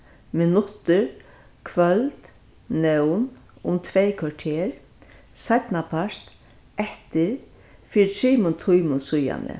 minuttir kvøld nón um tvey korter seinnapart eftir fyri trimum tímum síðani